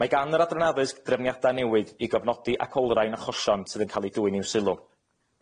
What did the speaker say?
Mae gan yr Adran Addysg drefniada newydd i gofnodi ac olrhain achosion sydd yn ca'l i dwyn i'w sylw.